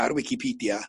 ar wicipedia